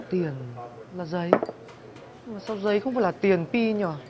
tiền là giấy mà sao giấy không phải là tiền pi nhở